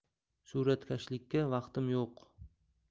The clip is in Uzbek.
suratkashlikka vaqtim yo'q